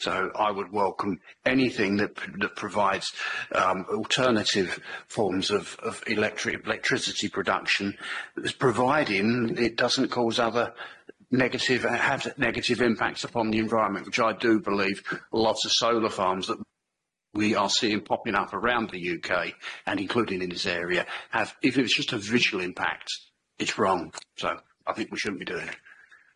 So I would welcome anything that provides alternative forms of of electricity production, providing it doesn't cause other negative a had negative impacts upon the environment which I do believe lots of solar farms that we are seeing popping up around the UK and including in this area have even if it's just a visual impact, it's wrong so I think we shouldn't be doing it.